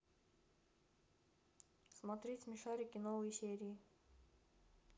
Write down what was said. смотреть смешарики новые серии